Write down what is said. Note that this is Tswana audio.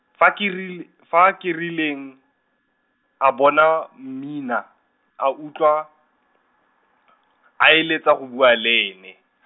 fa Keril- fa Kerileng, a bona Mmina, a utlwa , a eletsa go bua le ene.